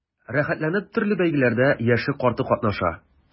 Рәхәтләнеп төрле бәйгеләрдә яше-карты катнаша.